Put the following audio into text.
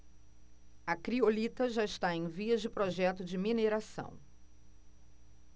a criolita já está em vias de projeto de mineração